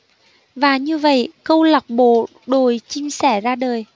và như vậy câu lạc bộ đồi chim sẻ ra đời